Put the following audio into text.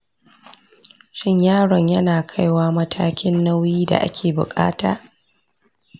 shin yaron yana kaiwa matakin nauyin da ake bukata?